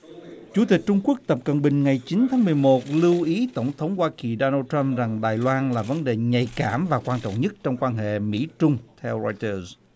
chủ tịch trung quốc tập cận bình ngày chín tháng mười một lưu ý tổng thống hoa kỳ đo nan trăm rằng đài loan là vấn đề nhạy cảm và quan trọng nhất trong quan hệ mỹ trung theo roai tờ